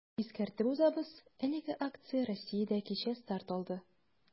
Искәртеп узабыз, әлеге акция Россиядә кичә старт алды.